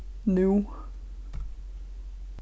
nú